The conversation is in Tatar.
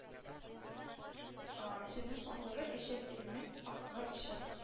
А җирнең пакьлеге өчен илнең аклыгы өчен